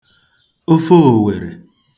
ofe òwèrè